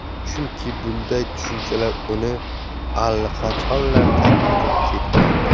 chunki bunday tushunchalar uni allaqachonlar tark etib ketgandi